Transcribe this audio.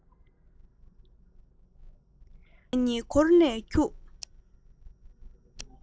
ངའི ཉེ འཁོར ནས འཁྱུག